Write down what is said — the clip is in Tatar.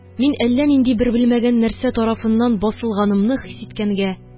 Мин әллә нинди бер белмәгән басылганымны хис иткәнгә